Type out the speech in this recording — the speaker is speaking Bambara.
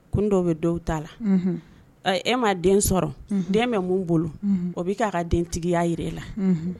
Ko dɔw bɛ dɔw t taa la e ma den sɔrɔ den bɛ mun bolo o bɛ ka ka dentigiya jira la